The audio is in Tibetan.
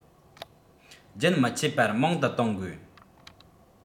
རྒྱུན མི ཆད པར མང དུ གཏོང དགོས